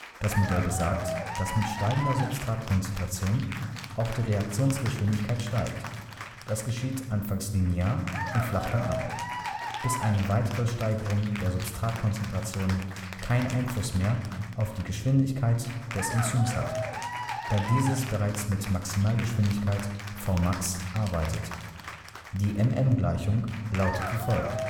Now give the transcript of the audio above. Das Modell besagt, dass mit steigender Substratkonzentration auch die Reaktionsgeschwindigkeit steigt. Das geschieht anfangs linear und flacht dann ab, bis eine weitere Steigerung der Substratkonzentration keinen Einfluss mehr auf die Geschwindigkeit des Enzyms hat, da dieses bereits mit Maximalgeschwindigkeit Vmax arbeitet. Die MM-Gleichung lautet wie folgt